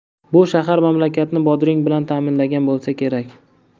bu shahar mamlakatni bodring bilan ta'minlagan bo'lsa kerak